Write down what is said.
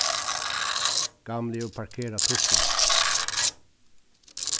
gamli hevur parkerað tuflurnar